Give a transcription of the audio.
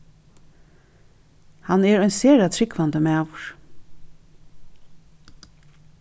hann er ein sera trúgvandi maður